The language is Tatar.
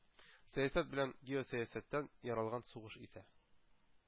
Сәясәт белән геосәясәттән яралган сугыш исә